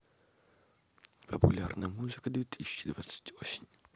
популярная музыка две тысячи двадцать осень